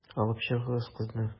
Алып чыгыгыз кызны.